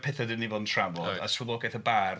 Petha dan ni 'di bod yn trafod... reit. ...a swyddogaeth y bardd.